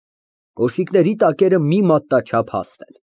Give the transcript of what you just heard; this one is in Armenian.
Կոշիկների տակերը մի մատնաչափ հաստ են։